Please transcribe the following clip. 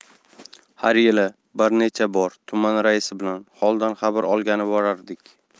har yili bir necha bor tuman raisi bilan holidan xabar olgani borardik